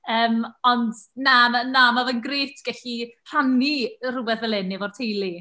Yym ond na n- na ma' fe'n gret gallu rhannu rywbeth fel hyn efo'r teulu.